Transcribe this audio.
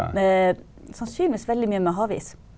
sannsynligvis veldig mye med havis.